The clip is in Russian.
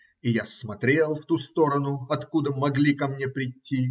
И я смотрел в ту сторону, откуда могли ко мне прийти.